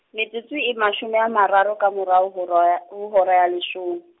metsotso e mashome a mararo ka morao ho -ro ya, ho hora ya leshom-.